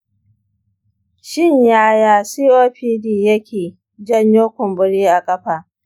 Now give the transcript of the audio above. shin yaya copd yake janyo kumburi a kafa?